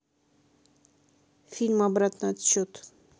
фильм обратный отсчет